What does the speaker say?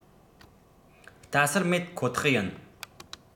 ལྟ སུལ མེད ཁོ ཐག ཡིན